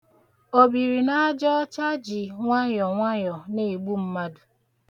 Obirinaajaọcha ji nwayọ nwayọ na-egbu mmadụ.